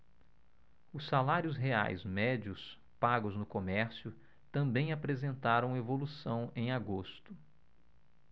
os salários reais médios pagos no comércio também apresentaram evolução em agosto